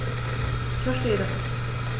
Ich verstehe das nicht.